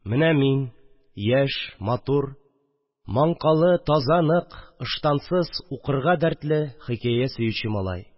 Мин – яшь, матур, маңкалы, таза-менык, штансыз, укырга дәртле, хикәя сөюче малай